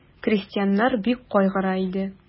Крестьяннар бик кайгыра иде.